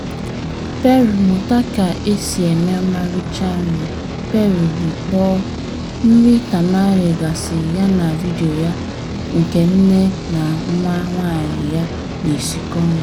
Peru – Mụta ka esi eme ọmarịcha nri Peru bụ kpoo, nrị tamale gasị yana vidiyo a nke nne na nwa nwaanyị ya na-esi kọ nri.